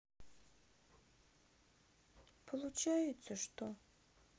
получается что